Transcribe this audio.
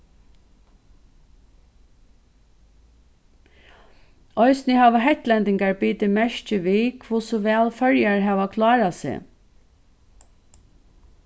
eisini hava hetlendingar bitið merki við hvussu væl føroyar hava klárað seg